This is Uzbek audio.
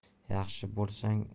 yaxshi bo'lsang o'zarsan